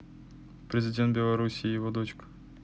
президент белоруссии и его дочка